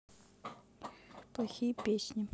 плохие песни